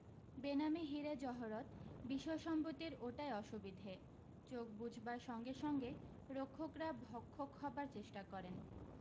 বেনামি হীরে জহরত বিষয় সম্পত্তির ওটাই অসুবিধে চোখ বুঝবার সঙ্গে সঙ্গেই রক্ষকরা ভক্ষক হবার চেষ্টা করেন